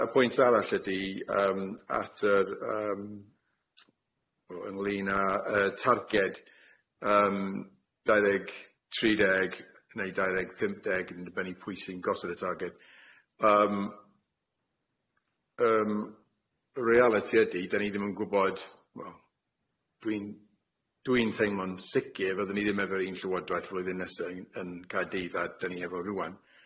Yy y pwynt arall ydi yym at yr yym o ynglyn â yy targed yym dau ddeg tri deg neu dau ddeg pump deg yn dibynnu pwy sy'n gosod y targed yym yym reality ydi dan ni ddim yn gwbod wel dwi'n dwi'n teimlo'n sicir fyddwn i ddim efo'r un llywodraeth flwyddyn nesa'n yn Ca'dydd a dan ni efo rŵan.